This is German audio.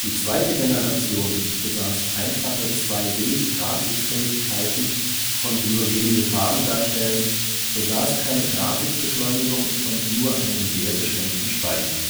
zweite Generation besaß einfache 2D-Grafikfähigkeiten, konnte nur wenige Farben darstellen, besaß keine Grafikbeschleunigung und nur einen sehr beschränkten Speicher